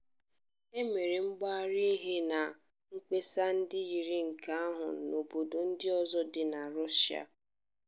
E mere ngagharị iwe na mkpesa ndị yiri nke ahụ n'obodo ndị ọzọ dị na Russia.